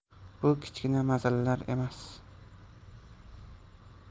bu kichkina masalalar emas